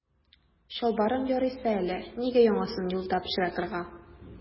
Чалбарың ярыйсы әле, нигә яңасын юлда пычратырга.